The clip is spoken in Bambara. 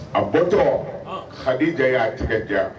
A bɔtɔ han, Kadija y' a tɛgɛ dia